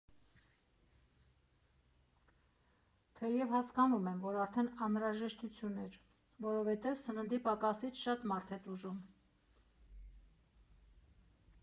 Թեև հասկանում եմ, որ արդեն անհրաժեշտություն էր, որովհետև սննդի պակասից շատ մարդ է տուժում։